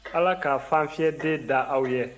ala ka fanfyɛden da aw ye